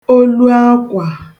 oluakwà